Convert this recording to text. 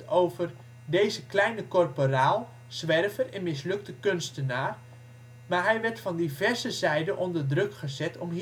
deze kleine korporaal, zwerver en mislukte kunstenaar " maar hij werd van diverse zijden onder druk gezet om